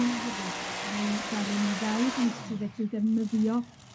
###yna hefyd, a mi ddaru ni, fel eglwysi fedru defnyddio